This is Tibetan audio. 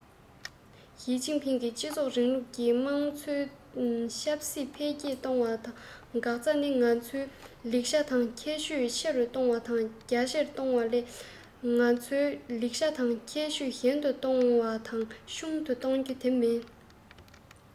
ཞིས ཅིན ཕིང གིས སྤྱི ཚོགས རིང ལུགས ཀྱི དམངས གཙོ ཆབ སྲིད འཕེལ རྒྱས གཏོང བའི འགག རྩ ནི ང ཚོའི ལེགས ཆ དང ཁྱད ཆོས ཆེ རུ གཏོང བ དང རྒྱ ཆེར གཏོང བ ལས ང ཚོའི ལེགས ཆ དང ཁྱད ཆོས ཞན དུ གཏོང བ དང ཆུང དུ གཏོང རྒྱུ དེ མིན